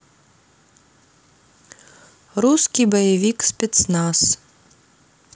русский боевик спецназ